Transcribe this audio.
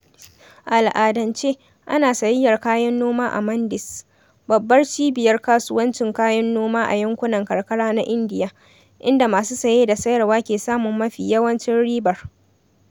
A al’adance, ana sayayyar kayan noma a “mandis” (babbar cibiyar kasuwancin kayan noma a yankunan karkara na Indiya), inda masu saye da sayarwa ke samun mafi yawancin ribar.